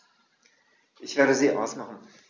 Ich werde sie ausmachen.